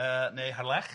Yy neu Harlech.